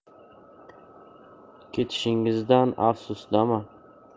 ketishingizdan afsusdaman